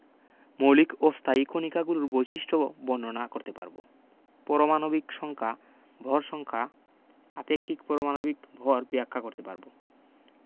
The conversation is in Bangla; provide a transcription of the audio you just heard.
মৌলিক ও স্থায়ী কণিকাগুলোর বৈশিষ্ট্য বর্ণনা করতে পারব পরমাণবিক সংখ্যা ভর সংখ্যা আপেক্ষিক পরমাণবিক ভর ব্যাখ্যা করতে পারব